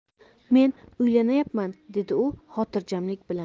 men uylanyapman dedi u xotiijamlik bilan